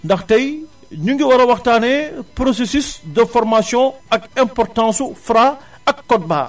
ndax tay ñu ngi war a waxtaanee processus de formation ak importance su Fra ak code barre